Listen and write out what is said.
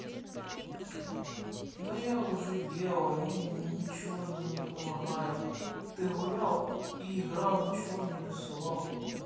да я уже делал мне ничего не помогает ты гулял и играл ничего нарисовал